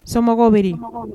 Somɔgɔw bɛ